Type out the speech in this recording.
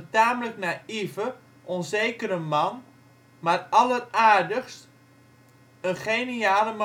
tamelijk naïeve, onzekere man, maar alleraardigst, een geniale